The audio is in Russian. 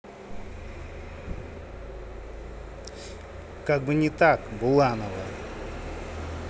как бы не так буланова